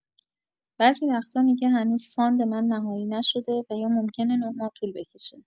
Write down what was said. بعضی وقتا می‌گه هنوز فاند من نهایی نشده و یا ممکنه ۹ ماه طول بکشه.